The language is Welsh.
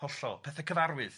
Hollol pethe cyfarwydd.